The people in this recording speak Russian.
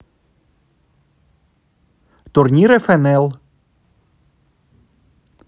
турнир фнл